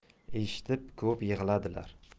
eshitib ko'p yig'ladilar